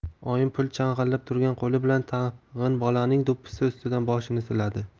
oyim pul changallab turgan qo'li bilan tag'in bolaning do'ppisi ustidan boshini siladi